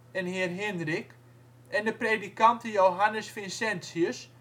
en heer Hinrick) en de predikanten Johannus Vincentius